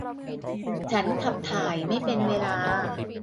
ฉันขับถ่ายไม่เป็นเวลา